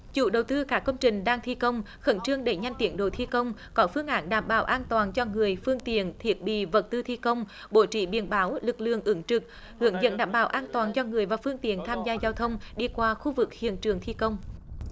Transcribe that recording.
chủ đầu tư các công trình đang thi công khẩn trương đẩy nhanh tiến độ thi công có phương án đảm bảo an toàn cho người phương tiện thiết bị vật tư thi công bố trí biển báo lực lượng ứng trực hướng dẫn đảm bảo an toàn cho người và phương tiện tham gia giao thông đi qua khu vực hiện trường thi công